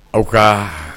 Aw ka